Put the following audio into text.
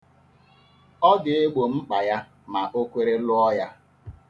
Ọ ga-egbo mkpa ya ma o kwere lụọ ya.